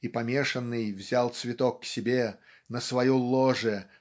и помешанный взял цветок к себе на свое ложе